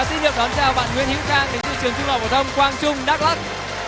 và xin được đón chào bạn nguyễn hữu khang đến từ trường trung học phổ thông quang trung đắc lắc